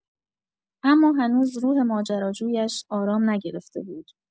اما هنوز روح ماجراجویش آرام نگرفته بود.